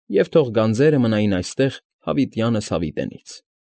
Եվ թող գանձերը մնային այստեղ հավիտյանս հավիտենից»։